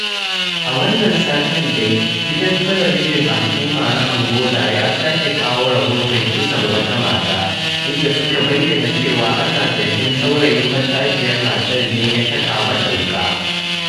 A wannan satin dai, gidan talabijin na al'umma na Angola ya sake kawo rahoton kisan wata mata, inda suka bayyana cewa ana zargin saurayin matashiyar matar ne ya caka mata wuƙa.